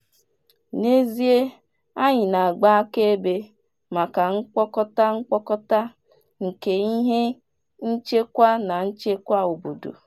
N'ezie, anyị na-agba akaebe maka mkpokọta mkpokọta nke ihe nchekwa na nchekwa obodo.